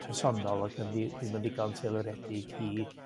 personol ag yn ddi- dim yn ddigon teilwredig i